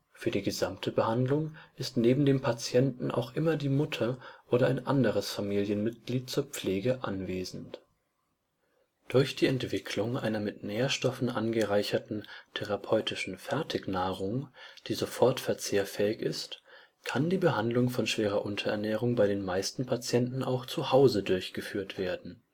Für die gesamte Behandlung ist neben dem Patienten auch immer die Mutter oder ein anderes Familienmitglied zur Pflege anwesend. Durch die Entwicklung einer mit Nährstoffen angereicherten therapeutischen Fertignahrung, die sofort verzehrfähig ist kann die Behandlung von schwerer Unterernährung bei den meisten Patienten auch zu Hause durchgeführt werden